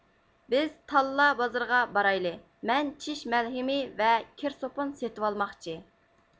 بىز تاللا بازىرىغا بارايلى مەن چىش مەلھىمى ۋە كىر سوپۇن سېتىۋالماقچى